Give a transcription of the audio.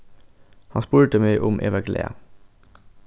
hann spurdi meg um eg var glað